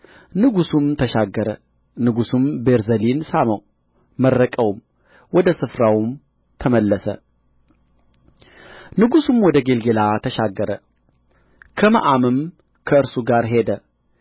ንጉሡም ተሻገረ ንጉሡም ቤርዜሊን ሳመው መረቀውም ወደ ስፍራውም ተመለሰ ንጉሡም ወደ ጌልገላ ተሻገረ ከመዓምም ከእርሱ ጋር ሄደ